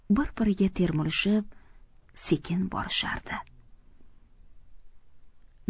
bir biriga termilishib sekin borishardi